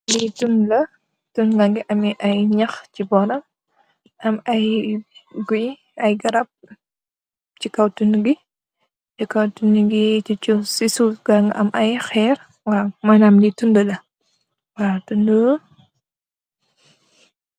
Li tundu la tundu bagi ameh ay nhaax si boram am ay gui ay garab si kaw tundubi si kaw tundubi si soof nga am ay xeer waw manab li tundula tundo.